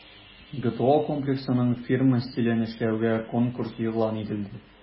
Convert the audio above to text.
ГТО Комплексының фирма стилен эшләүгә конкурс игълан ителде.